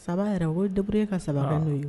Saba yɛrɛ o dap ka saba n' ye